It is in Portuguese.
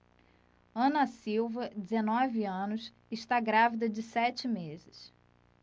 ana silva dezenove anos está grávida de sete meses